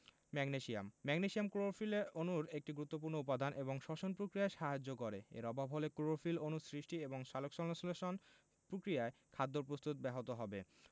magnesium magnesium chlorophyll অণুর একটি গুরুত্বপুর্ণ উপাদান এবং শ্বসন প্রক্রিয়ায় সাহায্য করে এর অভাব হলে ক্লোরোফিল অণু সৃষ্টি এবং সালোকসংশ্লেষণ প্রক্রিয়ায় খাদ্য প্রস্তুত ব্যাহত হবে